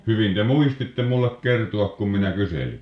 hyvin te muistitte minulle kertoa kun minä kyselin